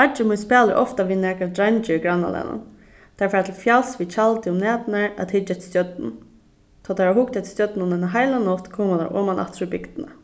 beiggi mín spælir ofta við nakrar dreingir grannalagnum teir fara til fjals við tjaldi um næturnar at hyggja eftir stjørnum tá teir hava hugt eftir stjørnunum eina heila nátt koma teir oman aftur í bygdina